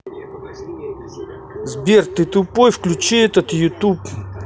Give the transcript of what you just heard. сбер ты тупой включи этот youtube